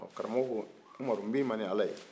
karamɔgɔ umaru min man di ala ye